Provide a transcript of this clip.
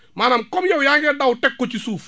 maanaam comme yow yaa ngi daw teg ko ci suuf